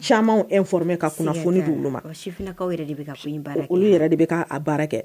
Camanmɛ ka f b yɛrɛ de baara kɛ